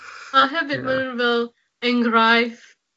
... a hefyd... Ie. ...ma' nw fel enghraiff